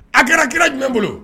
A kɛra kira jumɛn bolo